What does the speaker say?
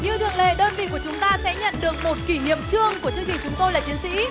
như thường lệ đơn vị của chúng ta sẽ nhận được một kỷ niệm chương của chương trình chúng tôi là chiến sĩ